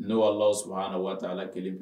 Ne waa saba na waati ala kelen bi